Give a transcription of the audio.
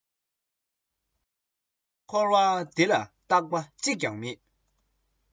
འཁོར བ འདི ལ རྟག པ གཅིག ཀྱང མེད